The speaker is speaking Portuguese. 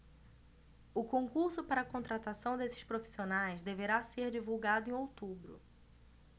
o concurso para contratação desses profissionais deverá ser divulgado em outubro